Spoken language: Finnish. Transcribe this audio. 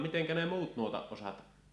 miten ne muut nuotan osat